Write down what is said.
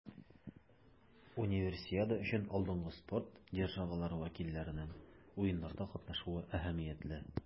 Универсиада өчен алдынгы спорт державалары вәкилләренең Уеннарда катнашуы әһәмиятле.